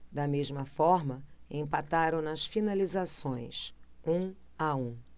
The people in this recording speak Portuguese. da mesma forma empataram nas finalizações um a um